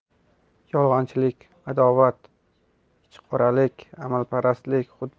yolg'onchilik adovat ichqoralik amalparastlik